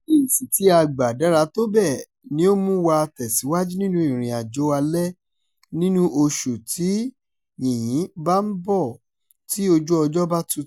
Èsì tí a gbà dára tó bẹ́ẹ̀ ni ó mú wa tẹ̀síwájú nínú ìrìnàjò alẹ́ nínú oṣù tí yìnyín bá ń bọ́ tí ojú ọjọ́ bá tútù.